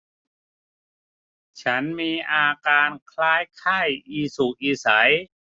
ฉันมีอาการคล้ายไข้อีสุกอีใส